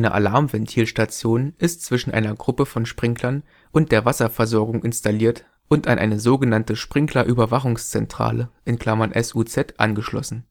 Alarmventilstation ist zwischen einer Gruppe von Sprinklern und der Wasserversorgung installiert und an eine sogenannte Sprinklerüberwachungszentrale (SUZ) angeschlossen